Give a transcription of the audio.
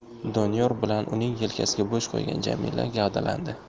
doniyor bilan uning yelkasiga bosh qo'ygan jamila gavdalandi